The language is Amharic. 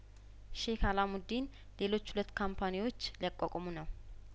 ሼክ አላሙዲን ሌሎች ሁለት ካምፓኒዎች ሊያቋቁሙ ነው